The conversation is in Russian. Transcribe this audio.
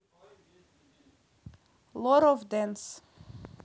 лор of dance